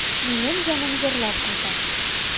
Минем җаным җырлап кайта.